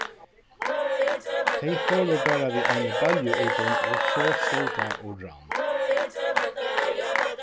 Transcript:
tey fóru bara við eini balju útum og so stóð tað og rann